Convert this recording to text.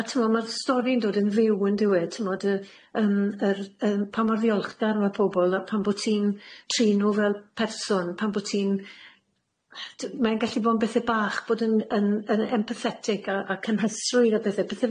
a t'mod ma'r stori'n dod yn fyw on'd yw e t'mod yy yym yr yym pa mor ddiolchgar ma' pobol a pan bo' ti'n trin nw fel person pan bo' ti'n d- mae'n gallu bo' yn bethe bach bod yn yn yn empathetic a a cynhysrwydd a bethe bethe